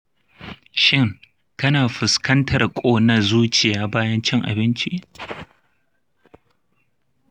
shin kana fuskantar ƙona zuciya bayan cin abinci?